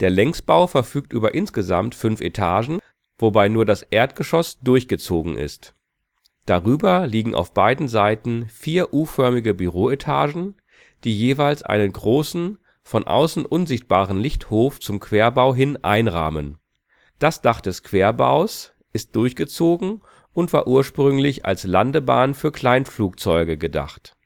Längsbau verfügt über insgesamt fünf Etagen, wobei nur das Erdgeschoss durchgezogen ist. Darüber liegen auf beiden Seiten vier u-förmige Büroetagen, die jeweils einen großen, von außen unsichtbaren Lichthof zum Querbau hin einrahmen. Das Dach des Querbaus ist durchgezogen und war ursprünglich als Landebahn für Kleinflugzeuge gedacht